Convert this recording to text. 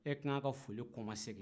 e ka kan ka foli kɔmasegin